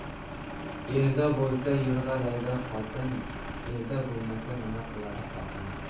erda bo'lsa yo'rg'alaydi xotin erda bo'lmasa nima qiladi xotin